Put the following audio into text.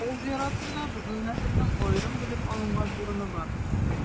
Авыл зиратында безнең нәселнең аерым бүлеп алган урыны бар.